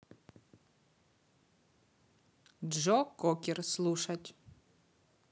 джо кокер слушать